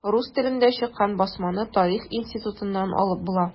Рус телендә чыккан басманы Тарих институтыннан алып була.